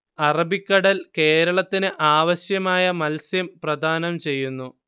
അറബിക്കടൽ കേരളത്തിന് ആവശ്യമായ മത്സ്യം പ്രധാനം ചെയ്യുന്നു